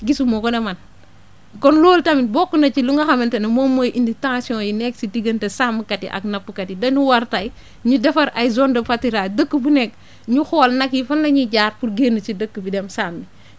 gisuma ko de man kon loolu tamit bokk na ci lu nga xamante ne moom mooy indi tensions yi nekk si diggante sàmmkat yi ak nappkat yi dañu war tey ñu defar ay zones de paturage dëkk bu nekk ñu xool nag yi fan la ñuy jaar pour génn si dëkk bi dem sàmmi